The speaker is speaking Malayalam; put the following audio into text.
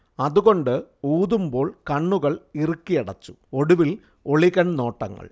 അതുകൊണ്ട് ഊതുമ്പോൾ കണ്ണുകൾ ഇറുക്കിയടച്ചു, ഒടുവിൽ ഒളികൺനോട്ടങ്ങൾ